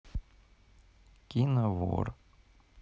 кино вор